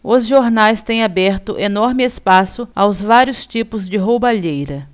os jornais têm aberto enorme espaço aos vários tipos de roubalheira